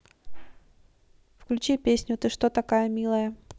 включи песню ты что такая милая